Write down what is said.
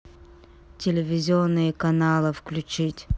телевизионные каналы включить